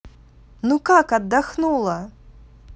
ну как отдохнула